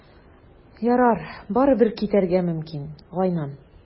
Ярар, барыбер, китәргә мөмкин, Гайнан.